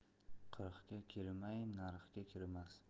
qirqqa kirmay narxga kirmas